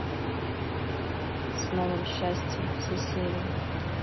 с новым счастьем все серии